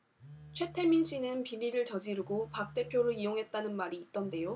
최태민씨는 비리를 저지르고 박 대표를 이용했다는 말이 있던데요